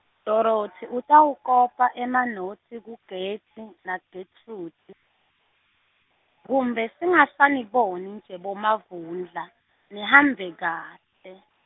Dorothi utawukopa emanotsi kuGetty, naGetrude, kumbe singasaniboni nje boMavundla, nihambe kahle.